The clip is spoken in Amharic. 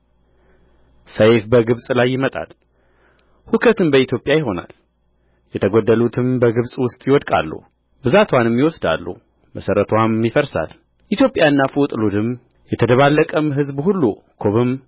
ሰይፍ በግብጽ ላይ ይመጣል ሁከትም በኢትዮጵያ ይሆናል የተገደሉትም በግብጽ ውስጥ ይወድቃሉ ብዛትዋንም ይወስዳሉ መሠረትዋም ይፈርሳል ኢትዮጵያና ፉጥ ሉድም የተደባለቀም ሕዝብ ሁሉ ኩብም